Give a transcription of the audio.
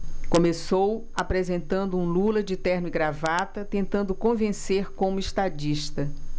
começou apresentando um lula de terno e gravata tentando convencer como estadista